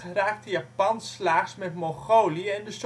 raakte Japan slaags met Mongolië en de